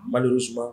Ba niba